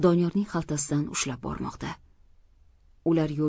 doniyorning xaltasidan ushlab bormoqda